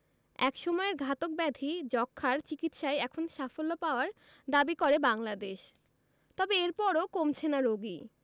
একসময়ের ঘাতক ব্যাধি যক্ষ্মার চিকিৎসায় এখন সাফল্য পাওয়ার দাবি করে বাংলাদেশ তবে এরপরও কমছে না রোগী